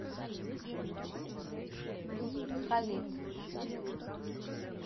khalid